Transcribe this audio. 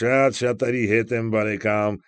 Շատ շատերի հետ եմ բարեկամ։